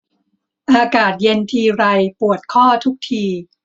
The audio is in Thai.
อากาศเย็นทีไรปวดข้อทุกที